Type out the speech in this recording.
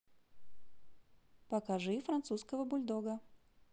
покажи французского бульдога